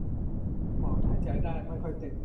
ปอดหายใจได้ไม่ค่อยเต็ม